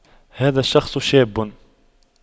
هذا الشخص شاب